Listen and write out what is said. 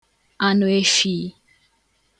anụefhī